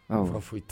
N yɛrɛ fo foyi ta